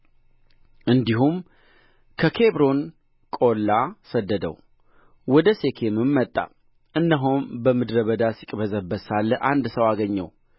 እንዲህም ከኬብሮን ቈላ ሰደደው ወደ ሴኬምም መጣ እነሆም በምድረ በዳ ሲቅበዘበዝ ሳለ አንድ ሰው አገኘው